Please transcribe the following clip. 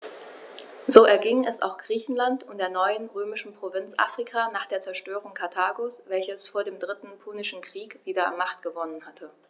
So erging es auch Griechenland und der neuen römischen Provinz Afrika nach der Zerstörung Karthagos, welches vor dem Dritten Punischen Krieg wieder an Macht gewonnen hatte.